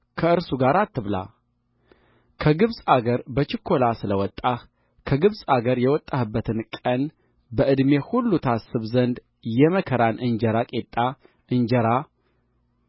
ከእርሱ ጋር አትብላ ከግብፅ አገር በችኰላ ስለ ወጣህ ከግብፅ አገር የወጣህበትን ቀን በዕድሜህ ሁሉ ታስብ ዘንድ የመከራን እንጀራ ቂጣ እንጀራ ሰባት ቀን ከእርሱ ጋር ብላ